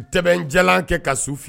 U tɛja kɛ ka su fili